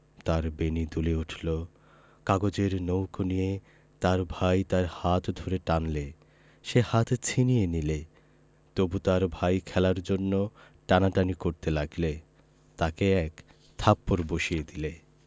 তার বেণী দুলে উঠল কাগজের নৌকো নিয়ে তার ভাই তার হাত ধরে টানলে সে হাত ছিনিয়ে নিলে তবু তার ভাই খেলার জন্যে টানাটানি করতে লাগলে তাকে এক থাপ্পড় বসিয়ে দিলে